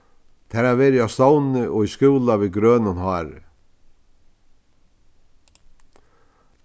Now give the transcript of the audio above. tær hava verið á stovni og í skúla við grønum hári